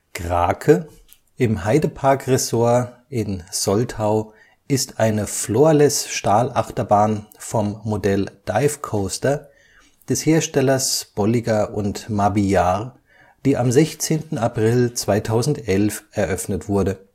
Krake im Heide Park Resort (Soltau, Deutschland) ist eine Floorless-Stahlachterbahn vom Modell Dive Coaster des Herstellers Bolliger & Mabillard, die am 16. April 2011 eröffnet wurde